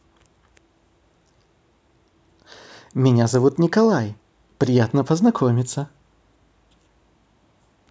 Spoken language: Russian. меня зовут николай приятно познакомиться